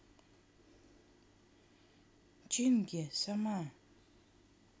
chingy сама